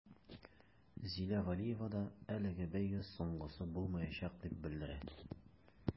Зилә вәлиева да әлеге бәйге соңгысы булмаячак дип белдерә.